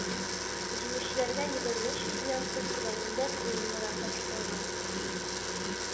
Җиңүчеләргә егерме өч миллион сум күләмендә премияләр тапшырылган